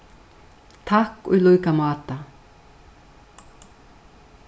takk í líka máta